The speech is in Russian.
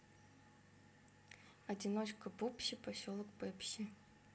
одиночка пупси поселок пепси